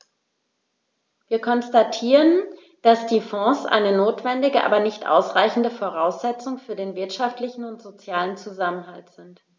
Wir konstatieren, dass die Fonds eine notwendige, aber nicht ausreichende Voraussetzung für den wirtschaftlichen und sozialen Zusammenhalt sind.